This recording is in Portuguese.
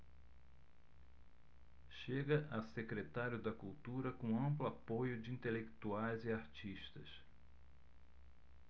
chega a secretário da cultura com amplo apoio de intelectuais e artistas